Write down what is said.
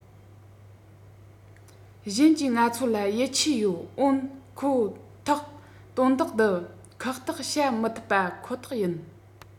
གཞན གྱིས ང ཚོ ལ ཡིད ཆེས ཡོད འོན ཁོ ཐག དོན དག འདི ཁག ཐེག བྱ མི ཐུབ པ ཁོ ཐག ཡིན